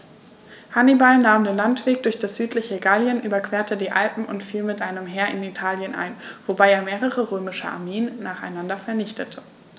Hannibal nahm den Landweg durch das südliche Gallien, überquerte die Alpen und fiel mit einem Heer in Italien ein, wobei er mehrere römische Armeen nacheinander vernichtete.